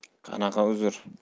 qanaqa uzr